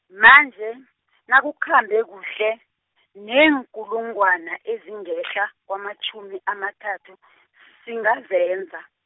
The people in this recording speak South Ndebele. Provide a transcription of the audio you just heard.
manje, nakukhambe kuhle, neenkulungwana ezingehla, kwamatjhumi amathathu , singazenza.